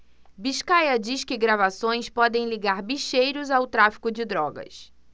biscaia diz que gravações podem ligar bicheiros ao tráfico de drogas